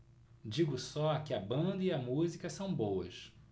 digo só que a banda e a música são boas